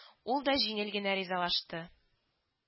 Ул да җиңел генә ризалашты